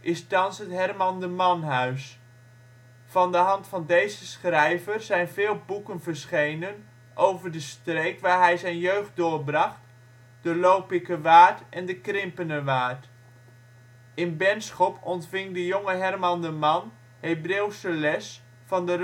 is thans het Herman de Manhuis. Van de hand van deze schrijver zijn veel boeken verschenen over de streek waar hij zijn jeugd doorbracht de Lopikerwaard en de Krimpenerwaard. In Benschop ontving de jonge Herman de Man Hebreeuwse les van de